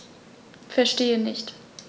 Verstehe nicht.